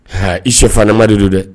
Han I sɛfannama de don dɛ!.